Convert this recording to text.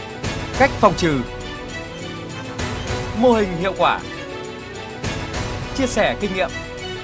cách phòng trừ mô hình hiệu quả chia sẻ kinh nghiệm